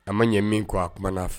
An ma ɲɛ min kɔ aumana na